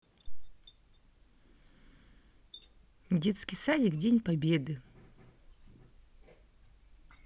детский садик день победы